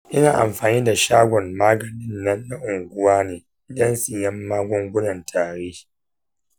ina amfani da shagon maganin na unguwa ne don siyan magungunan tari.